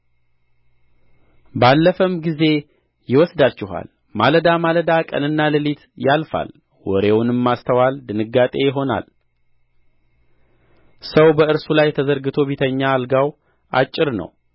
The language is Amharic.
ባለፈም ጊዜ ይወስዳችኋል ማለዳ ማለዳ ቀንና ሌሊት ያልፋል ወሬውንም ማስተዋል ድንጋጤ ይሆናል ሰው በእርሱ ላይ ተዘርግቶ ቢተኛ አልጋው አጭር ነው